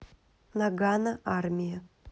нагано армия